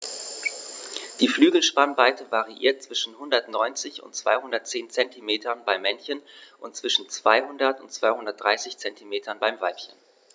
Die Flügelspannweite variiert zwischen 190 und 210 cm beim Männchen und zwischen 200 und 230 cm beim Weibchen.